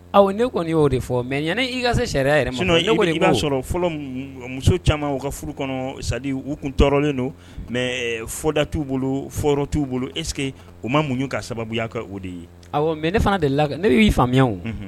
Awɔ ne kɔni y'o de fɔ mais yan'i ka se sariya yɛrɛ ma i b'a sɔrɔ fɔlɔ muso caman u ka furu kɔnɔ c'est à dire u tun tɔɔrɔlen don mais fɔda t'u bolo fɔyɔrɔ t'u bolo est ce que u ma muɲu k'a sababuya kɛ o de ye, awɔ mais ne fana delila ka ne y'i faamuya